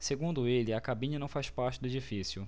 segundo ele a cabine não faz parte do edifício